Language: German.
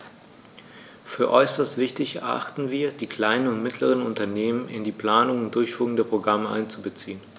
Für äußerst wichtig erachten wir, die kleinen und mittleren Unternehmen in die Planung und Durchführung der Programme einzubeziehen.